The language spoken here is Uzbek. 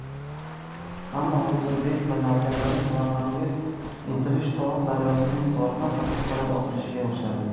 ammo hozir bek va navkarlarning samarqandga intilishi tog' daryosining yuqoridan pastga qarab otilishiga o'xshardi